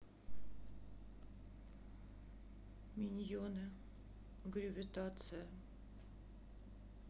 миньоны грювитация